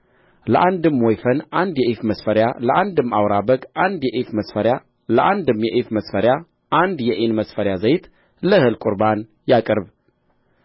ለአንድም ወይፈን አንድ የኢፍ መስፈሪያ ለአንድም አውራ በግ አንድ የኢፍ መስፈሪያ ለአንድም የኢፍ መስፈሪያ አንድ የኢን መስፈሪያ ዘይት ለእህል ቍርባን ያቅርብ